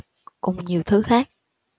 cùng nhiều thứ khác